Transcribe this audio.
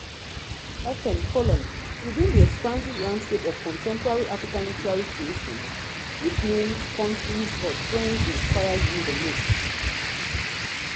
FN: Within the expansive landscape of contemporary African literary creation, which names, countries, or trends inspire you the most?